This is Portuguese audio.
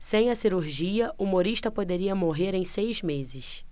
sem a cirurgia humorista poderia morrer em seis meses